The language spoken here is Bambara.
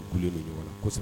Gunlen don ɲɔgɔn la kosɛbɛ.